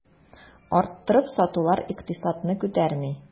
Арттырып сатулар икътисадны күтәрми.